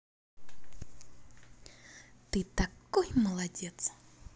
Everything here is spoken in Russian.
ты такой молодец